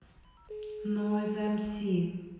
нойз эм си